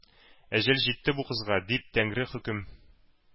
«әҗәл җитте бу кызга!»— дип, тәңре хөкем